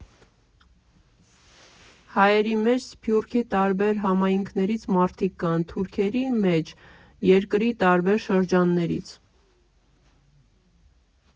Հայերի մեջ Սփյուռքի տարբեր համայնքներից մարդիկ կան, թուրքերի մեջ՝ երկրի տարբեր շրջաններից։